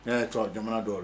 N ye jamana dɔw la